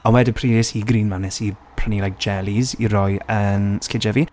A wedyn pryd es i i Green Man, wnes i prynu like jellies i roi yn sgidie fi.